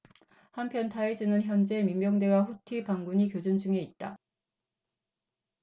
한편 타이즈는 현재 민병대와 후티 반군이 교전 중에 있다